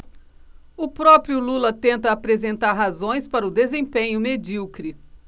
o próprio lula tenta apresentar razões para o desempenho medíocre